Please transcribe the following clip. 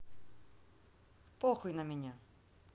похуй на меня